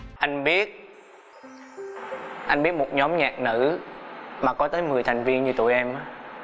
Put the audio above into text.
anh biết anh biết một nhóm nhạc nữa mà có tới mười thành viên như tụi em á